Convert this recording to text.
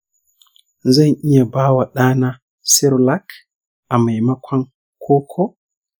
zan iya ba wa ɗa na cerelac a maimakon koko?